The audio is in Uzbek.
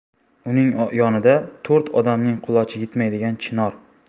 uning yonida to'rt odamning qulochi yetmaydigan chinor